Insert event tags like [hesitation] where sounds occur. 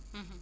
[hesitation] [hesitation]